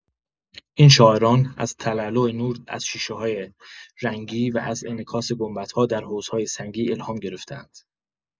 این شاعران، از تلالو نور از شیشه‌های رنگی و از انعکاس گنبدها در حوض‌های سنگی الهام گرفته‌اند.